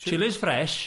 Chillies fresh?